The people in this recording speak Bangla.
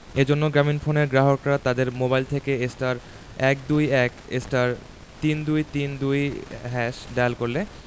এ জন্য গ্রামীণফোনের গ্রাহকরা তাদের মোবাইল থেকে *১২১*৩২৩২# ডায়াল করলে